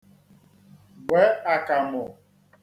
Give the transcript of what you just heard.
-gbe àkàmụ̀